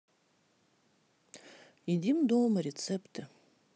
едим дома рецепты